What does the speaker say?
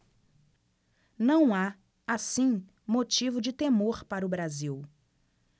não há assim motivo de temor para o brasil